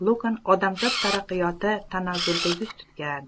lukn odamzot taraqqiyoti tanazzulga yuz tutgan